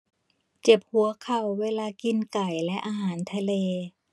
เจ็บหัวเข่าเวลากินไก่และอาหารทะเล